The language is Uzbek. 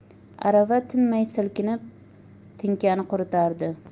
arava tinmay silkinib tinkani quritardi